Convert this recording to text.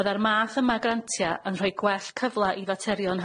Bydda'r math yma grantia yn rhoi gwell cyfla i faterion